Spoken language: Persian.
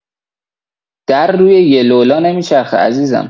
در روی یه لولا نمی‌چرخه عزیزم